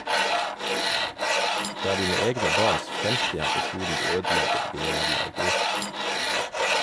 Det er dine egne barns fremtid her på kloden du ødelegger, din jævla egoist.